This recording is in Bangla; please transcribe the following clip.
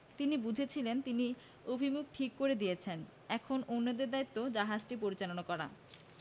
তিনি বুঝেছিলেন তিনি অভিমুখ ঠিক করে দিয়েছেন এখন অন্যদের দায়িত্ব জাহাজটি পরিচালনা করা